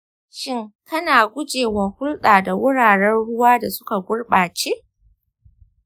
shin kana guje wa hulɗa da wuraren ruwa da suka gurɓace?